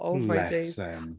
Oh my days... Bless him.